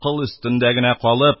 Кыл өстендә генә калып,